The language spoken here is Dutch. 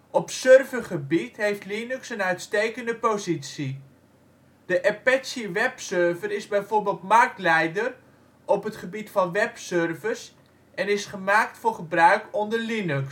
Op servergebied heeft Linux een uitstekende positie. De Apache-webserver is bijvoorbeeld marktleider op het gebied van webservers en is gemaakt voor gebruik onder Linux